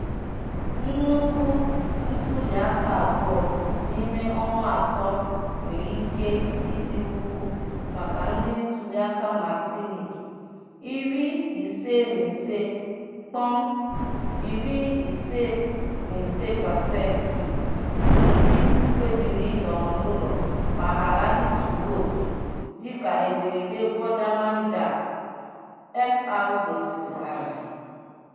Nnukwu ntuliaka abụọ n'ime ọnwa atọ nwere ike idi ukwuu maka ndị ntuliaka Martinic 55.55% bụ ndị kpebiri ịnọrọ n'ụlọ ma ghara ịtụ vootu, dịka ederede Bondamanjak [Fr] gosịpụtara.